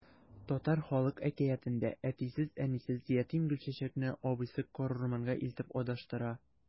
Татар халык әкиятендә әтисез-әнисез ятим Гөлчәчәкне абыйсы карурманга илтеп адаштыра.